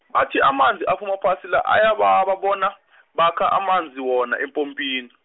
bathi amanzi aphuma phasi la, ayababa bona, bakha amanzi wona epompini.